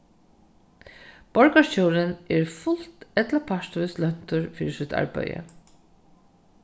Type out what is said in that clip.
borgarstjórin er fult ella partvíst løntur fyri sítt arbeiði